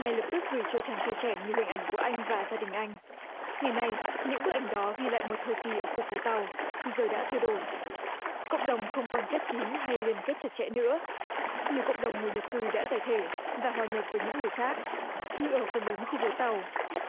ngay lập tức gửi cho chàng trai trẻ như hình ảnh của anh và gia đình anh ngày nay những bức ảnh đó ghi lại một thời kỳ ở khu phố tàu giờ đã thay đổi cộng đồng không còn khép kín hay liên kết chặt chẽ nữa nhiều cộng đồng người nhập cư đã giải thể và hòa nhập với những người khác như ở phần lớn khu phố tàu